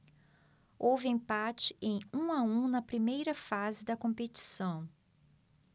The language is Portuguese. houve empate em um a um na primeira fase da competição